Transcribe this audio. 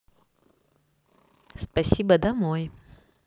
спасибо домой